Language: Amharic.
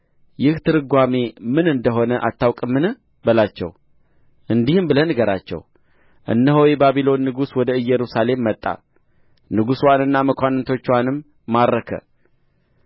ይህ ትርጓሜ ምን እንደ ሆነ አታውቁምን በላቸው እንዲህም ብለህ ንገራቸው እነሆ የባቢሎን ንጉሥ ወደ ኢየሩሳሌም መጣ ንጉሥዋንና መኳንንቶችዋንም ማረከ